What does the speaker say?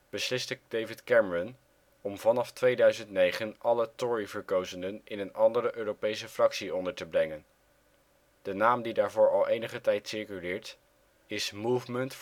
besliste David Cameron om vanaf 2009 alle Tory-verkozenen in een andere Europese fractie onder te brengen. De naam die daarvoor al enige tijd circuleert is Movement